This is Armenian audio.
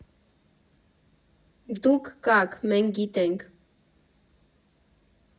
Դուք կաք, մենք գիտենք։